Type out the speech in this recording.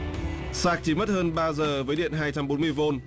sạc chỉ mất hơn ba giờ với điện hai trăm bốn mươi vôn